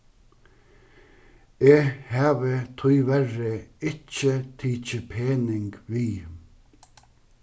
eg havi tíverri ikki tikið pening við